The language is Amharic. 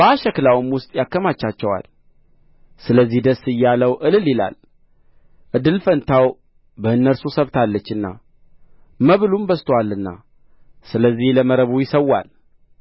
በአሽክላውም ውስጥ ያከማቻቸዋል ስለዚህ ደስ እያለው እልል ይላል እድል ፈንታው በእነርሱ ሰብታለችና መብሉም በዝቶአልና ስለዚህ ለመረቡ ይሠዋል